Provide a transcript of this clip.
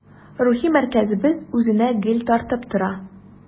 Рухи мәркәзебез үзенә гел тартып тора.